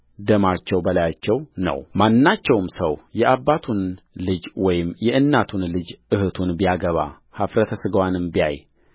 ደማቸው በላያቸው ነውማናቸውም ሰው የአባቱን ልጅ ወይም የእናቱን ልጅ እኅቱን ቢያገባ ኃፍረተ ሥጋዋንም ቢያይ